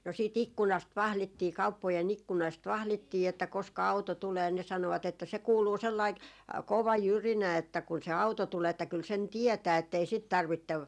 no siitä ikkunasta vahdittiin kauppojen ikkunasta vahdittiin että koska auto tulee ne sanoivat että se kuuluu sellainen kova jyrinä että kun se auto tulee että kyllä sen tietää että ei sitten tarvitse